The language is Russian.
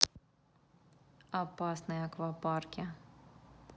опасный аквапарке